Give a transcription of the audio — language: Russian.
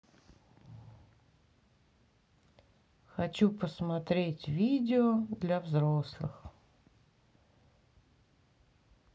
хочу посмотреть видео для взрослых